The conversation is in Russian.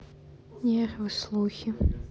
нервы слухи